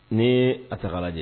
Ne a taga lajɛ